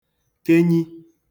kenyi